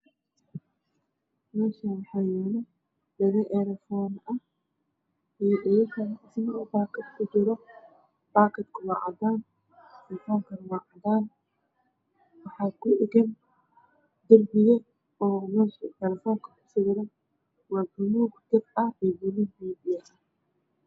Meeshani waxa ayalo dhago eerafoono ah baakadku waa cadaan waxaa kudhagan darbiga wa bulug